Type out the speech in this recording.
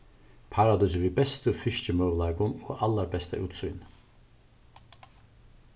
paradísið við bestu fiskimøguleikum og allarbesta útsýni